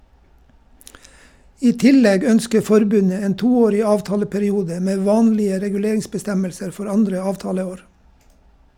I tillegg ønsker forbundet en toårig avtaleperiode med vanlige reguleringsbestemmelser for andre avtaleår.